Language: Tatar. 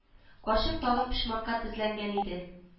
Карчык тагын почмакка тезләнгән иде